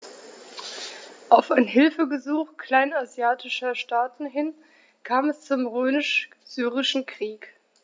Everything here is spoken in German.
Auf ein Hilfegesuch kleinasiatischer Staaten hin kam es zum Römisch-Syrischen Krieg.